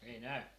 ei näy